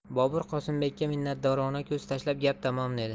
bobur qosimbekka minnatdorona ko'z tashlab gap tamom dedi